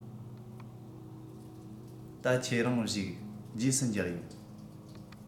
ད ཁྱེད རང བཞུགས རྗེས སུ མཇལ ཡོང